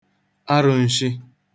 arụ̄n̄shị̄